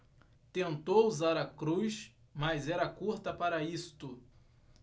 tentou usar a cruz mas era curta para isto